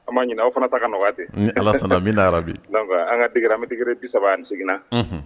An ba ɲini aw fana ta ka nɔgɔ ya ten . Ni Ala sɔnna. Amina yarabi. D'accord an ka degré an bi degré 38 nan.